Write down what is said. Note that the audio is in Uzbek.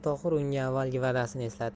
tohir unga avvalgi vadasini eslatib